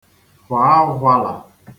kwàa ụkwalà